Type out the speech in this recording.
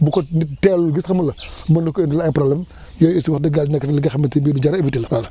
bu ko nit teelul gis xam nga mun na ko indil ay problème yooyu aussi wax dëgg yàlla nekk na li nga xamante ni bii lu jar a éviter la voilà